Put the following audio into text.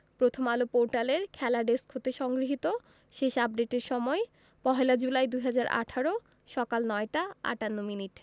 প্রথমআলো পোর্টালের খেলা ডেস্ক হতে সংগৃহীত শেষ আপডেটের সময় পহেলা জুলাই ২০১৮ সকাল ৯টা ৫৮মিনিট